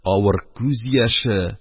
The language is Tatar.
Авыр күз яше,